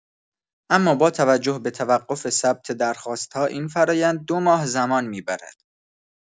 اما با توجه به توقف ثبت درخواست‌ها این فرآیند دو ماه زمان می‌برد.